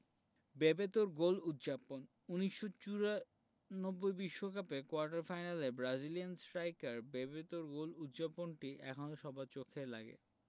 বেবেতোর গোল উদ্ যাপন ১৯৯৪ বিশ্বকাপে কোয়ার্টার ফাইনালে ব্রাজিলিয়ান স্ট্রাইকার বেবেতোর গোল উদ্ যাপনটি এখনো সবার চোখে লাগে